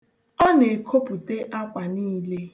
Ọ na-ekopute akwa niile.